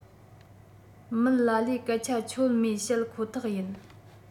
མི ལ ལས སྐད ཆ ཆོ མེད བཤད ཁོ ཐག ཡིན